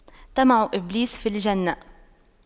طمع إبليس في الجنة